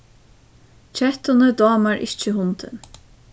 kettuni dámar ikki hundin